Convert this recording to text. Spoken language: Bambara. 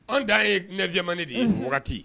An da yemani de ye wagati